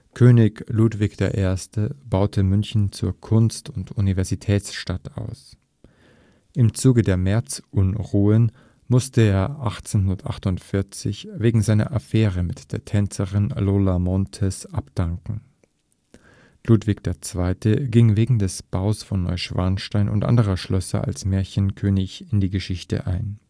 König Ludwig I. baute München zur Kunst - und Universitätsstadt aus. Im Zuge der Märzunruhen musste er 1848 wegen einer Affäre mit der Tänzerin Lola Montez abdanken. Ludwig II. ging wegen des Baues von Neuschwanstein und anderer Schlösser als Märchenkönig in die Geschichte ein